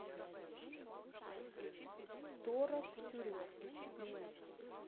дора втюрилась минус